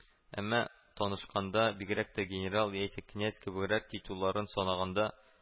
Әмма танышканда, бигрәк тә «генерал» яисә «князь» кебегрәк титулларын санаганда